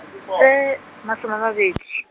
e, masoma a mabedi.